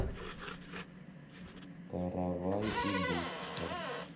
каравай и бустер